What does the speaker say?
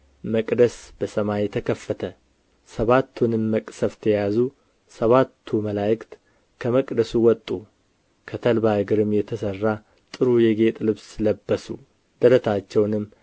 መቅደስ በሰማይ ተከፈተ ሰባቱንም መቅሠፍት የያዙ ሰባቱ መላእክት ከመቅደሱ ወጡ ከተልባ እግርም የተሠራ ጥሩ የጌጥ ልብስ ለበሱ ደረታቸውንም